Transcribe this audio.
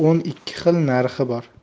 o'n ikki xil narxi bor